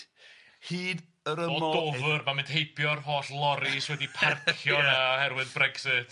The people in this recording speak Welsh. Hyd yr ymw- ...o dofr... ma'n mynd heibio'r holl lorri sy wedi parcio yna oherwydd Brexit.